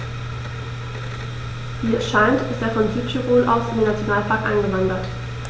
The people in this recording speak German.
Wie es scheint, ist er von Südtirol aus in den Nationalpark eingewandert.